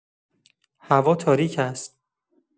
هوا تاریک است.